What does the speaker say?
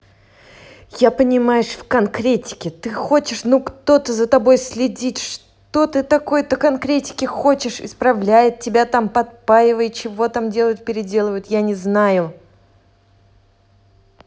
я понимаешь в конкретике ты хочешь ну кто то за тобой следить что ты какой то конкретики хочешь исправляет тебя там подпаивай чего там делают переделывают я не знаю